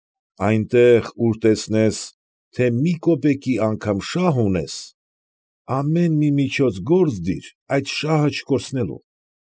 Այնտեղ, ուր տեսնես, թե մի կոպեկի անգամ շահ ունիս, ամեն միջոց գործ դիր այդ շահը չկորցնելու։